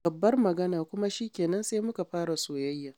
Babbar magana ‘kuma shi ke nan sai muka fara soyayya’